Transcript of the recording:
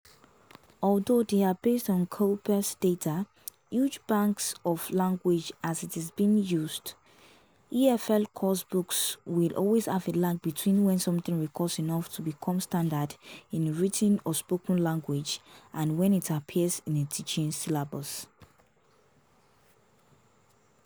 Although they are based on “corpus data” — huge banks of language as it is being used — EFL course books will always have a lag between when something recurs enough to have become standard in written or spoken language and when it appears in a teaching syllabus.